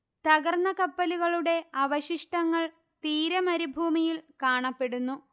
തകർന്ന കപ്പലുകളുടെ അവശിഷ്ടങ്ങൾ തീര മരുഭൂമിയിൽ കാണപ്പെടുന്നു